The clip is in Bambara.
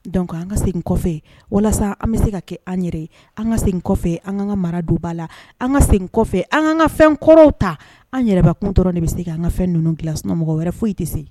Donc an ka segin kɔfɛ walasa an bɛ se ka kɛ an yɛrɛ ye, an ka segin kɔfɛ an ka mara don ba la, an ka segin an k'an ka fɛn kɔrɔw ta, an yɛrɛ kun dɔrɔnw de bɛ se k 'an ka fɛn ninnu dilan sinon mɔgɔ wɛrɛ foyi tɛ se.